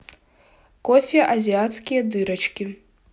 кофе азиатские дырочки